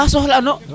ka soxla an no